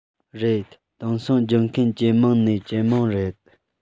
རེད དེང སང སྦྱོང མཁན ཇེ མང ནས ཇེ མང རེད